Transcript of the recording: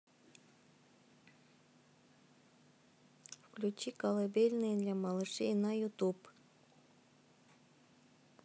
включи колыбельные для малышей на ютуб